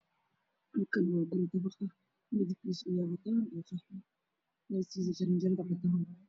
Halkaan waa guri dabaq ah midabkiisu cadaan iyo qaxwi, hoostiisa waa jaranjaro cadaan ah.